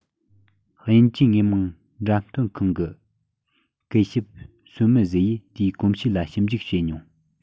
དབྱིན ཇིའི དངོས མང བཀྲམ སྟོན ཁང གི སྐུ ཞབས སི མི གཟི ཡིས དེའི གོམས གཤིས ལ ཞིབ འཇུག བྱེད མྱོང